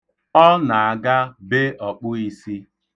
O na-aga be ọkpụisi.